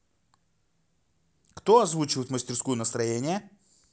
кто озвучивает мастерскую настроения